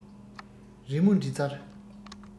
རི མོ འབྲི རྩལ